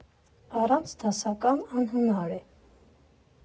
Առանց դասական անհնար է։